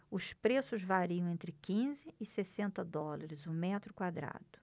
os preços variam entre quinze e sessenta dólares o metro quadrado